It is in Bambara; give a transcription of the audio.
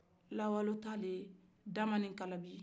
lawalo ta de ye damanikalabi